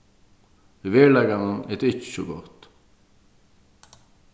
í veruleikanum er tað ikki so gott